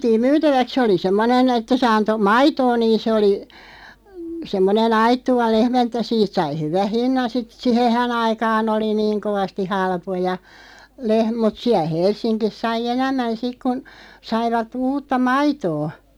vietiin myytäväksi se oli semmoinen että se antoi maitoa niin se oli semmoinen aittuva lehmä että siitä sai hyvän hinnan sitten siihenhän aikaan oli niin kovasti halpoja - mutta siellä Helsingissä sai enemmän sitten kun saivat uutta maitoa